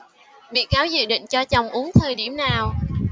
bị cáo dự định cho chồng uống thời điểm nào